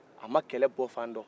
a ma kɛlɛ bɔfan dɔn